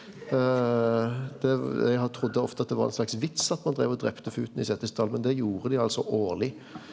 det eg trudde ofte at det var ein slags vits at ein dreiv og drap futen i Setesdal men det gjorde dei altså årleg.